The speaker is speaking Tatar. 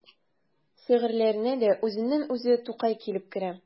Шигырьләренә дә үзеннән-үзе Тукай килеп керә.